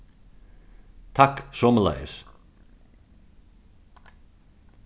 takk somuleiðis